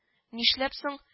Нишләп соң